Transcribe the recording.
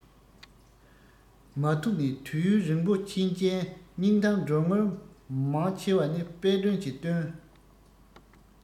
མ ཐུགས ནས དུས ཡུན རིང པོ ཕྱིན རྐྱེན སྙིང གཏམ འགྲོ དངུལ མང ཆེ བ ནི དཔལ སྒྲོན གྱི བཏོན